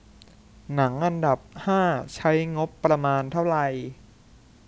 หนังอันดับห้าใช้งบประมาณเท่าไหร่